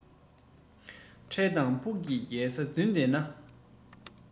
འཕྲལ དང ཕུགས ཀྱི རྒྱལ ས འཛིན འདོད ན